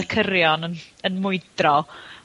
y cyrion yn, yn mwydro.